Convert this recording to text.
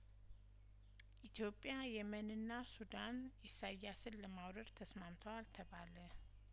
ኢትዮጵያ የመንና ሱዳን ኢሳያስን ለማውረድ ተስማምተዋል ተባለ